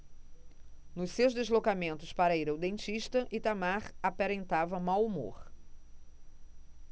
nos seus deslocamentos para ir ao dentista itamar aparentava mau humor